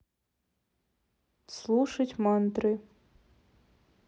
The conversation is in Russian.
слушать мантры